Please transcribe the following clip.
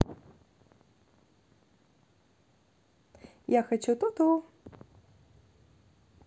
я хочу ту ту